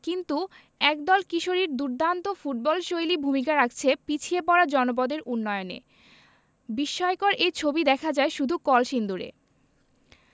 কিন্তু একদল কিশোরীর দুর্দান্ত ফুটবলশৈলী ভূমিকা রাখছে পিছিয়ে পড়া জনপদের উন্নয়নে বিস্ময়কর এই ছবি দেখা যায় শুধু কলসিন্দুরে